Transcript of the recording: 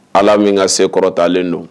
Ala min ka se kɔrɔtalen don